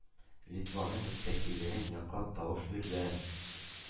Литваның мөстәкыйльлеген яклап тавыш бирде.